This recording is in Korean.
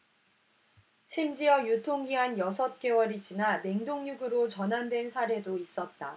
심지어 유통기한 여섯 개월이 지나 냉동육으로 전환된 사례도 있었다